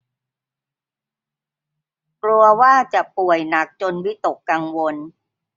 กลัวว่าจะป่วยหนักจนวิตกกังวล